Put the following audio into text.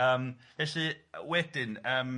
yym felly, wedyn yym